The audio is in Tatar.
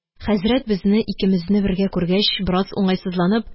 Хәзрәт, безне икемезне бергә күргәч, бераз уңайсызланып